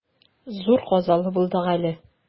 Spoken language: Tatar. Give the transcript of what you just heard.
Зур казалы булдык әле.